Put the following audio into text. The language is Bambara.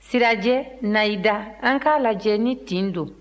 sirajɛ na i da an k'a lajɛ ni tin don